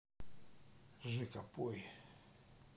жека пой